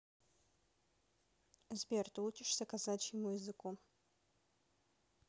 сбер ты учишься казачьему языку